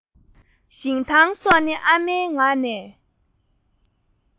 ཞིང ཐང སོགས ནི ཨ མའི ངག ནས